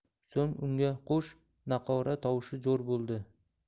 so'ng unga qo'sh naqora tovushi jo'r bo'ldi